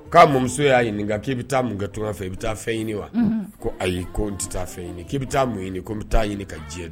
K'a mɔmuso y'a ɲini ɲininka k'i bɛ taa mun kɛ tunfɛ i bɛ taa fɛ ɲini wa ko ayi ko n tɛ taa fɛ ɲini k'i bɛ taa mun ɲini ko n bɛ taa ɲini ka diɲɛ dɛ